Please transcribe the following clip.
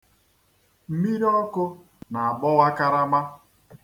Mmiri ọkụ na-agbọwa karama.